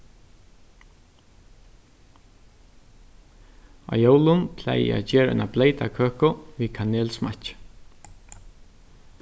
á jólum plagi eg at gera eina bleyta køku við kanelsmakki